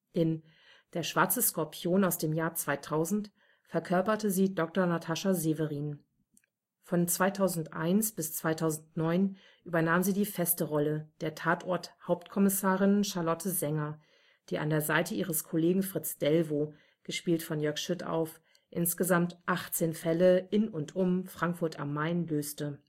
In Der schwarze Skorpion (2000) verkörperte sie Dr. Natascha Severin. Von 2001 bis 2009 übernahm sie die feste Rolle der Tatort-Hauptkommissarin Charlotte Sänger, die an der Seite ihres Kollegen Fritz Dellwo (Jörg Schüttauf) insgesamt 18 Fälle in und um Frankfurt am Main löste